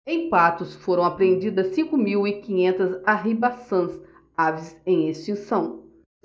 em patos foram apreendidas cinco mil e quinhentas arribaçãs aves em extinção